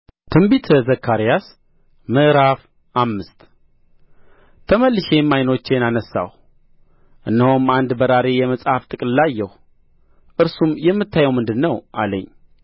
ትንቢተ ዘካርያስ ምዕራፍ አምስት ተመልሼም ዓይኖቼን አነሣሁ እነሆም አንድ በራሪ የመጽሐፍ ጥቅልል አየሁ እርሱም የምታየው ምንድር ነው አለኝ